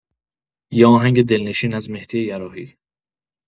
یه آهنگ دلنشین از مهدی یراحی